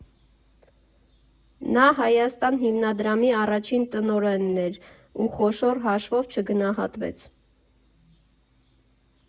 Նա «Հայաստան» հիմնադրամի առաջին տնօրենն էր ու խոշոր հաշվով չգնահատվեց։